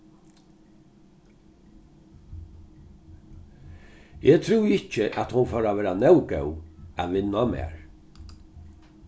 eg trúði ikki at hon fór at vera nóg góð at vinna á mær